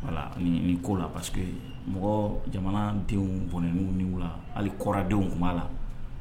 Ko la parceseke ye mɔgɔ jamana denw bɔn la ali kɔrɔdenw tun b' la